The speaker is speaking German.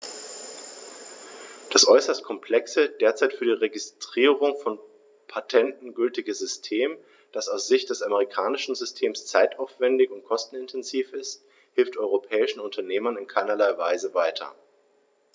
Das äußerst komplexe, derzeit für die Registrierung von Patenten gültige System, das aus Sicht des amerikanischen Systems zeitaufwändig und kostenintensiv ist, hilft europäischen Unternehmern in keinerlei Weise weiter.